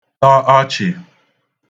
tọ ọchị